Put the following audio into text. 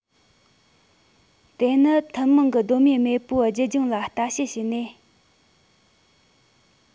དེ ནི ཐུན མོང གི གདོད མའི མེས པོའི རྒྱུད རྒྱང ལ ལྟ དཔྱད བྱས ནས